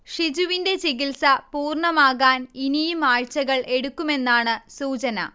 ഷിജുവിന്റെ ചികിൽസ പൂർണ്ണമാകാൻ ഇനിയും ആഴ്ചകൾ എടുക്കുമെന്നാണ് സൂചന